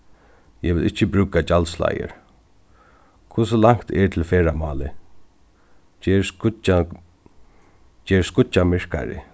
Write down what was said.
eg vil ikki brúka gjaldsleiðir hvussu langt er til ferðamálið ger skíggjan ger skíggjan myrkari